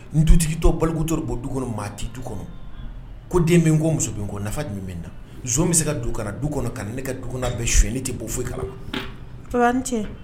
Dutigi tɔ balikuto bɔ du kɔnɔ maa tɛ du kɔnɔ ko den bɛ ko muso min kɔ nafa tun bɛ na bɛ se ka dukara du kɔnɔ ka ne ka du bɛ su ne tɛ bɔ kalan cɛ